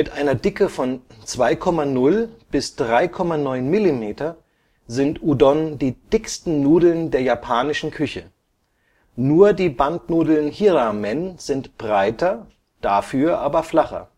einer Dicke von 2,0 bis 3,9 mm sind Udon die dicksten Nudeln der japanischen Küche, nur die Bandnudeln Hira-men sind breiter, dafür aber flacher